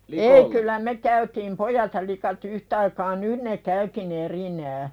ei kyllä me käytiin pojat ja likat yhtaikaa nyt ne käykin erikseen